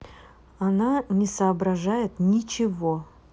она не соображает ничего